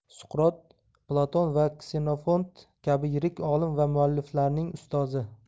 suqrot platon va ksenofont kabi yirik olim va mualliflarning ustozi